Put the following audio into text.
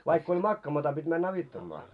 vaikka oli makaamatta piti mennä auttamaan